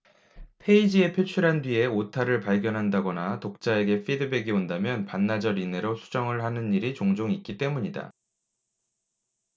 페이지에 표출한 뒤에 오타를 발견한다거나 독자에게 피드백이 온다면 반나절 이내로 수정을 하는 일이 종종 있기 때문이다